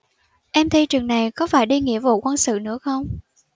em thi trường này có phải đi nghĩa vụ quân sự nữa không